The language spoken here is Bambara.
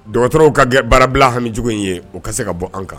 Dugawu dɔgɔtɔrɔw ka baara bila hami in ye o ka se ka bɔ an kan